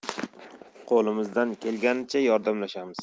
qo'limizdan kelganicha yordamlashamiz